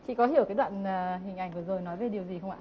chị có hiểu cái đoạn à hình ảnh vừa rồi nói về điều gì không ạ